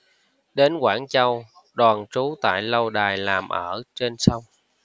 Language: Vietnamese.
đến quảng châu đoàn trú tại lâu đài làm ở trên sông